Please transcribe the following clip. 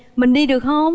mình đi được không